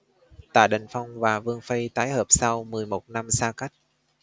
tạ đình phong và vương phi tái hợp sau mười một năm xa cách